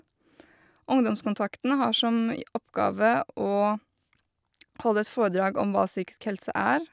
Ungdomskontakten har som j oppgave å holde et foredrag om hva psykisk helse er.